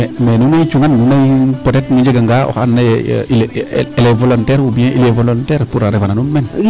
Mais nuun wey cungan lay peut etre nu njeganga oxaa andoona yee elle est volontaire "ou bien il est volontaire pour a refana a nuun meen.